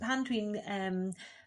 Pan dwi'n emm